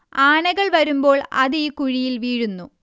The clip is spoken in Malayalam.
ആനകൾ വരുമ്പോൾ അത് ഈ കുഴിയിൽ വീഴുന്നു